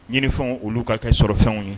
Ye fɛnw olu ka ka kɛ sɔrɔ fɛnw ye